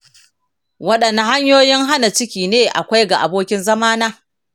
waɗanne hanyoyin hana ciki ne akwai ga abokin zamana?